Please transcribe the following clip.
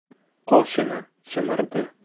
qoshini chimirdi